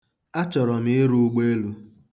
Achọrọ m ịrụ ugbeelu.